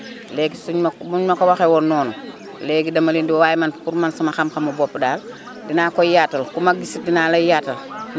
léegi suñu ma ko buñu ma ko waxee woon noonu léegi dama leen di waaye man pour man sama xam-xamu boppu daal dinaa ko yaatal ku ma gis dinaa la yaatal